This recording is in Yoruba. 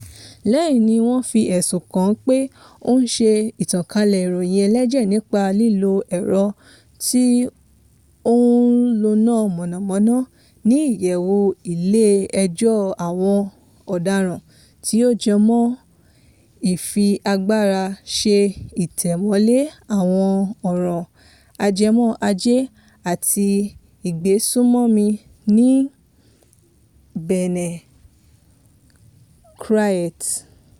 Lẹ́yìn náà ni wọ́n fi ẹ̀sùn kàn án pé "ó ń ṣe ìtànkálẹ̀ ìròyìn ẹlẹ́jẹ̀ nípa lílo ẹ̀rọ tí ó ń lọ́nà mànàmáná" ní Ìyẹ̀wù Ilé Ẹjọ́ Àwọn Ọ̀daràn tí ó jẹmọ́ Ìfiagbáraṣeìtẹ̀mọ́lẹ̀ Àwọn Ọ̀ràn Ajẹmọ́ Ọrọ̀ Ajé àti Ìgbésùnmọ̀mí ní Benin (CRIET).